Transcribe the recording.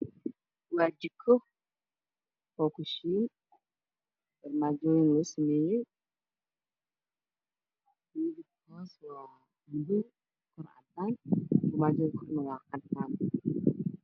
Waa jiko oo kushiin armaajooyin loo sameeyay Midmabka hoos waa madow kor cadaan armaajada korna waa caddaan